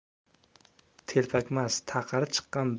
telpakmas taqiri chiqqan